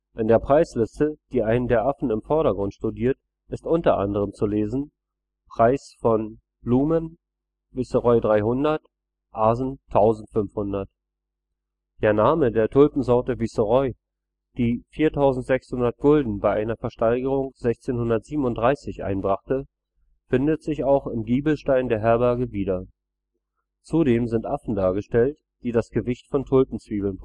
In der Preisliste, die einer der Affen im Vordergrund studiert, ist unter anderem zu lesen: „ Preis von / Blumen / viceroy 300 / asen 1500 “. Der Name der Tulpensorte Viceroy, die 4.600 Gulden bei einer Versteigerung 1637 einbrachte, findet sich auch im Giebelstein der Herberge wieder. Zudem sind Affen dargestellt, die das Gewicht von Tulpenzwiebeln